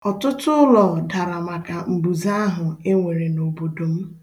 Ọtụtụ ụlọ dara maka mbuze ahụ e nwere n'obodo m.